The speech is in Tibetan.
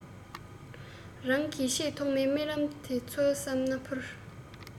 རང གི ཆེས ཐོག མའི རྨི ལམ དེ འཚོལ བསམ ན འཕུར